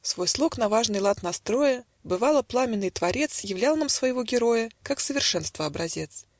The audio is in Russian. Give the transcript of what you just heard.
Свой слог на важный лад настроя, Бывало, пламенный творец Являл нам своего героя Как совершенства образец.